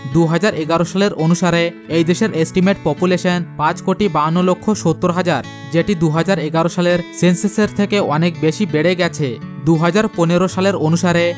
২০১১ সালের অনুসারে এদেশে এস্টিমেট পপুলেশন ৫ কোটি ৫২ লক্ষ ৭০ হাজার যেটি ২০১১ সালে সিনসিসের থেকে অনেক বেশি বেড়ে গেছে ২০১৫ সালের অনুসারে